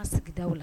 ' sigi'w la